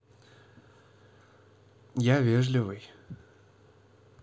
я вежливый